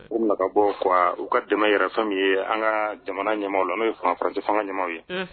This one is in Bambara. U na ka bɔ kuwa u ka jama yɛrɛ fɛn min ye an ka jamana ɲaw la n'o ye fanga furakɛti fanga ɲama ye